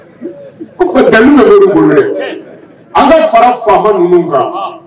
Da an' fara faama minnu